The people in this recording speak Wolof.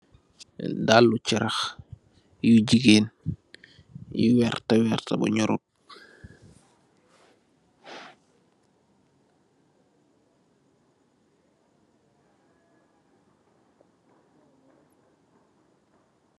Dallu carax yu gigeen, yu werta, werta bu ñurut.